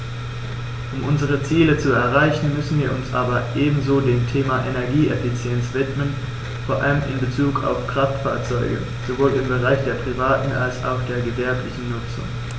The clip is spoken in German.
Um unsere Ziele zu erreichen, müssen wir uns aber ebenso dem Thema Energieeffizienz widmen, vor allem in Bezug auf Kraftfahrzeuge - sowohl im Bereich der privaten als auch der gewerblichen Nutzung.